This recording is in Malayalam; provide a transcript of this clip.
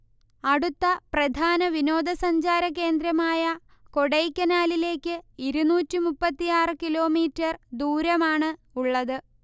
അടുത്ത പ്രധാന വിനോദസഞ്ചാരകേന്ദ്രമായ കൊടൈക്കനാലിലേക്ക് ഇരുന്നൂറ്റി മുപ്പത്തിയാറ് കിലോമീറ്റർ ദൂരമാണ് ഉള്ളത്